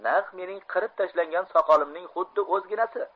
naq mening qirib tashlangan soqolimning xuddi o'zginasi